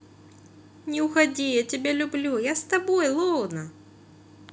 не уходи я тебя люблю я с тобой louna